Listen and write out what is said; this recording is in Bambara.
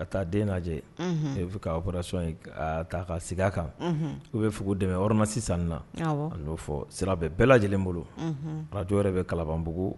Ka taa den lajɛ bɛ sɔn ye ka ka sigi kan u bɛ f dɛmɛ o ma sisan na a'o fɔ sirabɛ bɛɛ lajɛlenlen bolo baraj yɛrɛ bɛ kalabanbugu